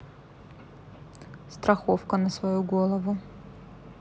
страховка на свою голову